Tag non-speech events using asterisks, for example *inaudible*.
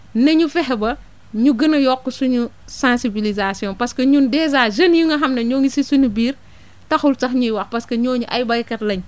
nañu fexe ba ñu gën a yokk suñu sensibilisation parce que ñun dèjà jeunes yi nga xam ne ñoo ngi si suñu biir *breath* taxul sax ñuy wax parce que ñooñu ay baykat lañ